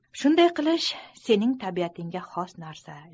shunday qilish sening tabiatingga xos narsa